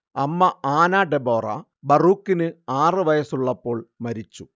അമ്മ Anna Deborah ബറൂക്കിന് ആറുവയസ്സുള്ളപ്പോൾ മരിച്ചു